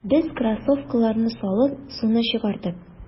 Без кроссовкаларны салып, суны чыгардык.